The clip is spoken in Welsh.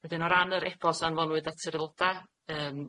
Wedyn o ran yr e-bost anfonwyd at yr aeloda' yym